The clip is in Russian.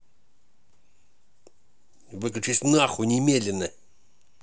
выключись нахуй немедленно